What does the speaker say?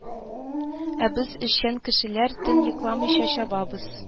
Ә без, эшчән кешеләр, төн йокламыйча чабабыз